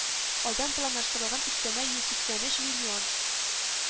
Алдан планлаштырылган өстәмә йөз сиксән өч миллион